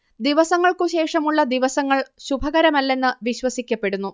ദിവസങ്ങൾക്കു ശേഷമുള്ള ദിവസങ്ങൾ ശുഭകരമല്ലെന്ന് വിശ്വസിക്കപ്പെടുന്നു